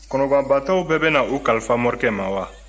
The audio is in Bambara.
kɔnɔgwanbaatɔw bɛɛ bɛ na u kalifa morikɛ ma wa